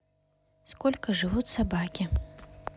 сколько живут собаки